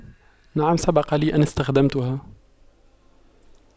نعم سبق لي أن استخدمتها